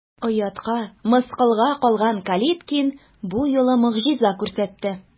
Оятка, мыскылга калган Калиткин бу юлы могҗиза күрсәтте.